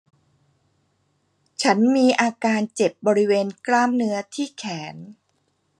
ฉันมีอาการเจ็บบริเวณกล้ามเนื้อที่แขน